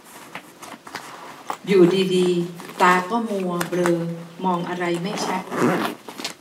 อยู่ดีดีตาก็มัวเบลอมองอะไรไม่ชัด